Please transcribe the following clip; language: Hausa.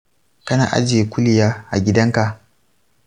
kana ajiye kuliya a gidanka?